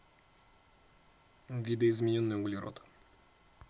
видоизмененный углерод